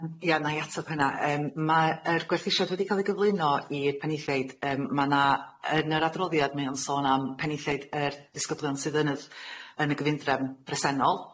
Ia nâi atab hynna yym ma' yr gwerthusiad wedi ca'l ei gyflwyno i'r penaethiaid yym ma'na yn yr adroddiad mae o'n sôn am penaethiaid yr disgyblion sydd yn yy yn y gyfundrefn bresennol.